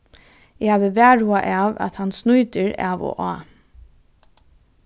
eg havi varhuga av at hann snýtir av og á